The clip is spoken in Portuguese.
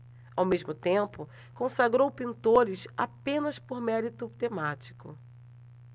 ao mesmo tempo consagrou pintores apenas por mérito temático